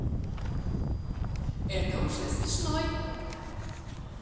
это уже смешной